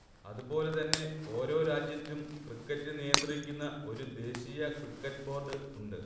അതുപോലെതന്നെ ഓരോ രാജ്യത്തും ക്രിക്കറ്റ് നിയന്ത്രിക്കുന്ന ഒരു ദേശീയ ക്രിക്കറ്റ് ബോർഡ് ഉണ്ട്